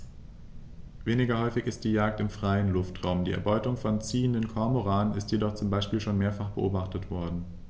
Weniger häufig ist die Jagd im freien Luftraum; die Erbeutung von ziehenden Kormoranen ist jedoch zum Beispiel schon mehrfach beobachtet worden.